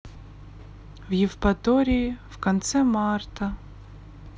в евпатории в конце марта